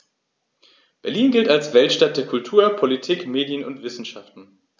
Berlin gilt als Weltstadt der Kultur, Politik, Medien und Wissenschaften.